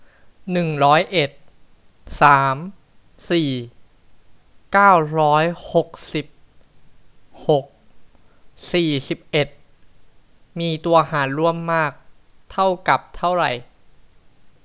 หนึ่งร้อยเอ็ดสามสี่เก้าร้อยหกสิบหกสี่สิบเอ็ดมีตัวหารร่วมมากเท่ากับเท่าไหร่